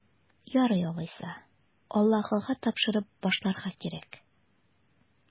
Ярый алайса, Аллаһыга тапшырып башларга кирәк.